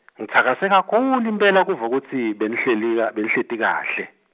ngitsakase kakhulu impela kuva kutsi benihli- ka, benihleti kahle.